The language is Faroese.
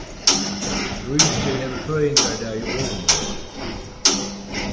fríðgerð hevur føðingardag í ovurmorgin